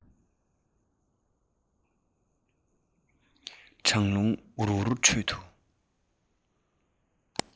གྲང རླུང འུར འུར ཁྲོད དུ